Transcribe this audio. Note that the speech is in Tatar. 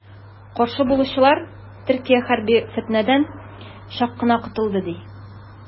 Каршы булучылар, Төркия хәрби фетнәдән чак кына котылды, ди.